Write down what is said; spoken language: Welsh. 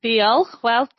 Diolch wel